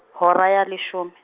hora ya leshome.